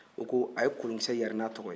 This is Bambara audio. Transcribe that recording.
u ko a ye kolonkisɛ yari n'a tɔgɔ ye